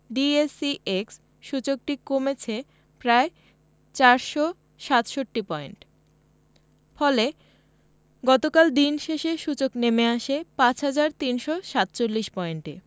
DSEX সূচকটি কমেছে প্রায় ৪৬৭ পয়েন্ট ফলে গতকাল দিন শেষে সূচক নেমে আসে ৫ হাজার ৩৪৭ পয়েন্টে